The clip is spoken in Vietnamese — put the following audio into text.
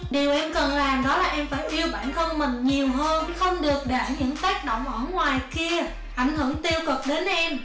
điều em cần làm đó là em phải yêu bản thân mình nhiều hơn không được để những tác động ở ngoài kia ảnh hưởng tiêu cực đến em